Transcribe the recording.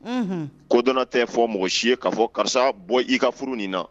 Kodɔn tɛ fɔ mɔgɔ si ye kaa fɔ karisa bɔ i ka furu nin na